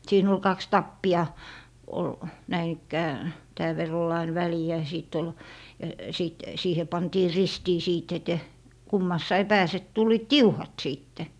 siinä oli kaksi tappia oli näin ikään tämän verran oli aina väliä ja sitten oli ja sitten siihen pantiin ristiin sitten - kummassakin päässä tulivat tiuhat sitten